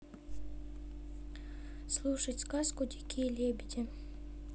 слушать сказку дикие лебеди